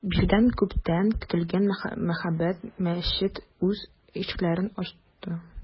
Биредә күптән көтелгән мәһабәт мәчет үз ишекләрен ачты.